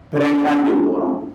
Pɛrɛnkan de bɔra